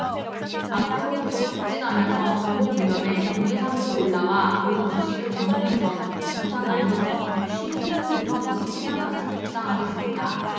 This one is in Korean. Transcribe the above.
앞으로 계속 북진하면서 정오 무렵엔 동해상으로 올라와 오후 두 시를 전후해선 부산 남동쪽 백 쉰 킬로미터 부근 해상까지 북상하겠습니다